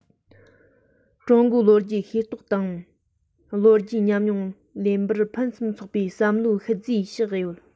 ཀྲུང གོའི ལོ རྒྱུས ཤེས རྟོགས དང ལོ རྒྱུས ཀྱི ཉམས མྱོང ལེན པར ཕུན སུམ ཚོགས པའི བསམ བློའི ཤུལ རྫས བཞག ཡོད